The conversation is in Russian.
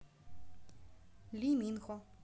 ли минхо